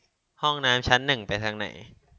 ห้องน้ำชั้นหนึ่งไปทางไหน